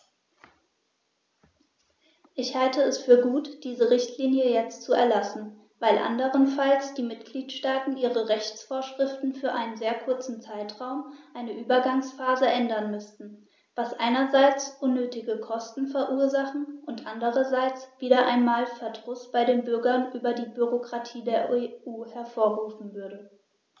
Ich halte es für gut, diese Richtlinie jetzt zu erlassen, weil anderenfalls die Mitgliedstaaten ihre Rechtsvorschriften für einen sehr kurzen Zeitraum, eine Übergangsphase, ändern müssten, was einerseits unnötige Kosten verursachen und andererseits wieder einmal Verdruss bei den Bürgern über die Bürokratie der EU hervorrufen würde.